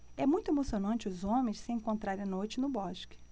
é muito emocionante os homens se encontrarem à noite no bosque